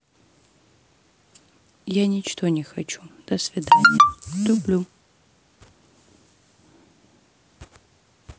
я ничто не хочу до свидания люблю